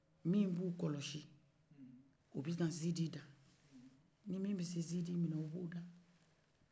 min b'o kɔlɔsi o bɛ na zidi da ni bɛ se zidi mina o b'o da